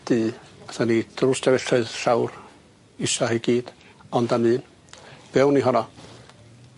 dŷ athon ni drw'r stafelloedd llawr isa i gyd ond am un fewn i honno.